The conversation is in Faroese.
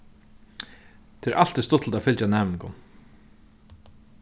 tað er altíð stuttligt at fylgja næmingum